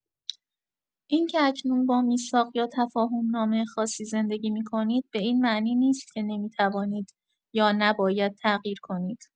اینکه اکنون با میثاق یا تفاهم‌نامه خاصی زندگی می‌کنید به این معنی نیست که نمی‌توانید یا نباید تغییر کنید.